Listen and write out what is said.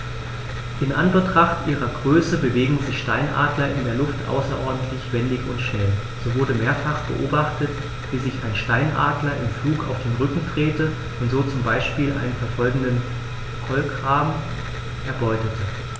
In Anbetracht ihrer Größe bewegen sich Steinadler in der Luft außerordentlich wendig und schnell, so wurde mehrfach beobachtet, wie sich ein Steinadler im Flug auf den Rücken drehte und so zum Beispiel einen verfolgenden Kolkraben erbeutete.